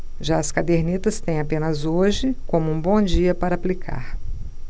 já as cadernetas têm apenas hoje como um bom dia para aplicar